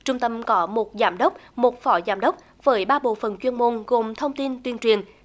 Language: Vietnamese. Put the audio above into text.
trung tâm có một giám đốc một phó giám đốc với ba bộ phận chuyên môn gồm thông tin tuyên truyền